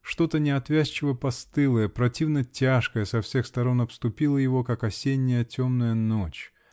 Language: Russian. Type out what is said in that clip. Что-то неотвязчиво-постылое, противно-тяжкое со всех сторон обступило его, как осенняя, томная ночь